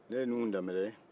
ne ye nuhun danbɛlɛ ye